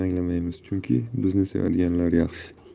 anglamaymiz chunki bizni sevadiganlar yaxshi